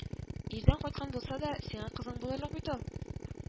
Ирдән кайткан булса да, сиңа кызың булырлык бит ул